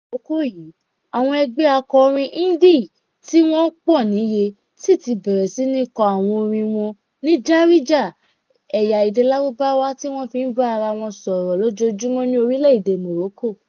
Ní àkókò yìí, àwọn ẹgbẹ́ akọrin indie tí wọ́n ń pọ̀ níye si ti bẹ̀rẹ̀ sí ní kọ àwọn orin wọn ní Darija, ẹ̀yà èdè Lárúbáwá tí wọ́n fi ń bára wọn sọ̀rọ̀ lójoojúmọ́ ní orílẹ̀ èdè Morocco.